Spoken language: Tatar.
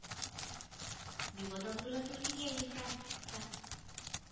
— миңа да булырга туры килгән иде франкфуртта